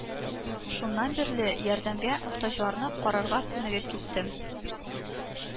Шуннан бирле ярдәмгә мохтаҗларны карарга күнегеп киттем